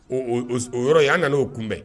Ɔ o yɔrɔ y yan nan'o kunbɛn